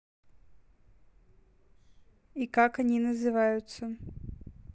и как они называются